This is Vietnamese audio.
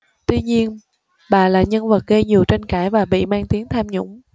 tuy nhiên bà là nhân vật gây nhiều tranh cãi và bị mang tiếng tham nhũng